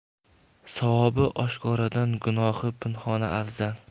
savobi oshkoradan gunohi pinhona afzal